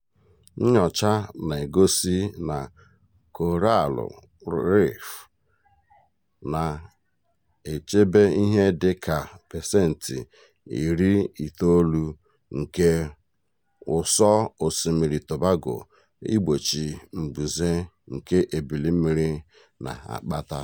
Nnyocha na-egosi na Koraalụ Reefs na-echebe ihe dị ka pasenti 90 nke ụsọ osimiri Tobago igbochi mbuze nke ebili mmiri na-akpata.